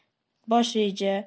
bosh reja